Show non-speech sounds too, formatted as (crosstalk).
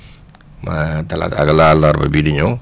ma (hesitation) talaata ak àllarba bii di ñëw